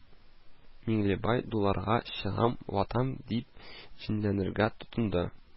Зур кыз белән Сатирә дә каушап калдылар